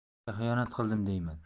sizga xiyonat qildim deyman